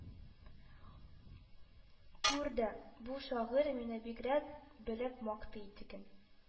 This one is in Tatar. Күр дә: бу шагыйрь мине бигрәк белеп мактый, диген;